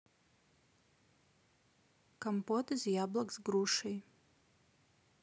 компот из яблок с грушей